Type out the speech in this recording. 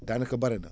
daanaka bari na